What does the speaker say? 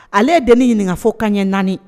Ale de ne ɲininkafo ka ɲɛ naani